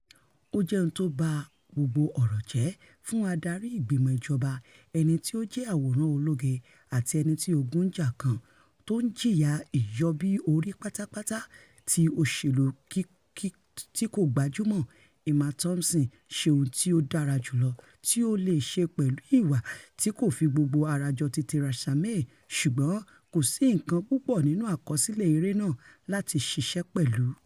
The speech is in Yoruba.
Ó jẹ́ ohun tóba gbogbo ọ̀rọ̀ jẹ́ fún adarí ìgbìmọ̀ ìjọbà ẹnití ó jẹ́ àwòrán ológe àti ẹnití ogun ńjà kan, tó ńjìyà ìyọ́bí-òrí pátápátá ti òṣèlú tíkò gbajúmọ̀: Emma Thompson ṣe ohun tí ó dára jùlọ tí o leè ṣe pẹ́lù ìwà tí kòfi-gbogbo-arajọti-Teresa-May ṣùgbọ́n kòsí nǹkan púpọ̀ nínú àkọsílẹ̀ eré náà láti ṣiṣ̵ẹ́ pẹ̀lú.